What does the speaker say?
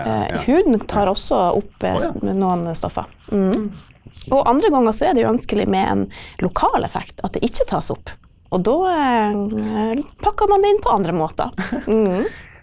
huden tar også opp noen stoffer , og andre ganger så er det jo ønskelig med en lokal effekt, at det ikke tas opp, og da pakker man det inn på andre måter .